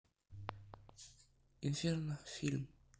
инферно фильм